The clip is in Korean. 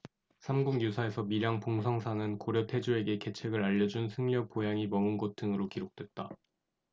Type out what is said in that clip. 삼국유사에서 밀양 봉성사는 고려 태조에게 계책을 알려준 승려 보양이 머문 곳 등으로 기록됐다